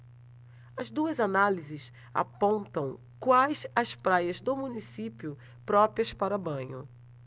as duas análises apontam quais as praias do município próprias para banho